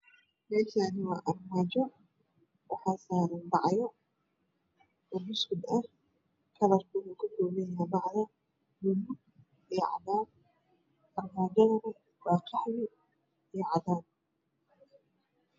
Meeshaani waa armaajo waxa saaran bacyo oo buskad ah kalarka uu ka koobanyahy bacda buluug iyo cadaan armaajadana waa qaxwi iyo cadaan